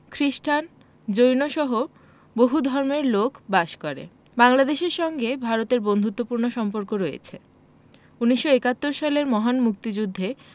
খ্রিস্টান জৈনসহ বহু ধর্মের লোক বাস করে বাংলাদেশের সঙ্গে ভারতের বন্ধুত্তপূর্ণ সম্পর্ক রয়ছে ১৯৭১ সালের মহান মুক্তিযুদ্ধে